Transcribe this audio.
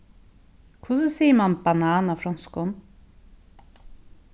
hvussu sigur mann banan á fronskum